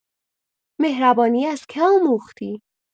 مهربانی از که آموختی؟